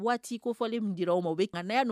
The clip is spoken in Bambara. Waati ko fɔlen min di aw ma ka